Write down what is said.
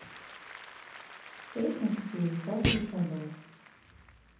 песни пятидесятых годов